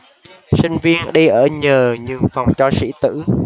sinh viên đi ở nhờ nhường phòng cho sĩ tử